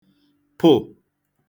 pụ̀